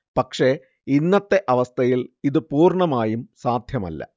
പക്ഷെ ഇന്നത്തെ അവസ്ഥയിൽ ഇത് പൂർണമായും സാധ്യമല്ല